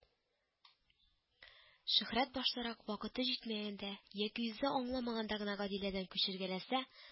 Шөһрәт баштарак вакыты җитмәгәндә яки үзе аңламаганда гына Гадиләдән күчергәләсә